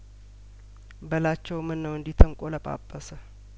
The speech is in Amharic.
በላቸውም ነው እንዲህ ተንቆ ለጳጰሰ